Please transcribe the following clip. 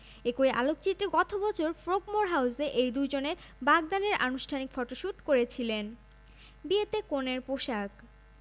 একই আলোকচিত্রী গত বছর ফ্রোগমোর হাউসে এই দুজনের বাগদানের আনুষ্ঠানিক ফটোশুট করেছিলেন বিয়েতে কনের পোশাক